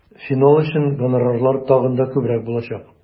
Финал өчен гонорарлар тагын да күбрәк булачак.